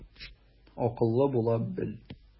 Акыллы була бел.